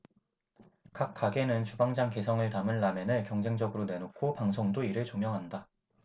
각 가게는 주방장 개성을 담은 라멘을 경쟁적으로 내놓고 방송도 이를 조명한다